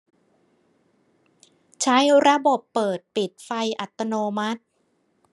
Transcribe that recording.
ใช้ระบบเปิดปิดไฟอัตโนมัติ